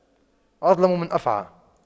أظلم من أفعى